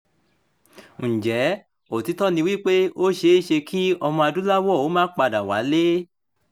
Ǹjẹ́ òtítọ́ ni wípé ó ṣeéṣe kí Ọmọ-adúláwọ̀ ó máà padà wálé?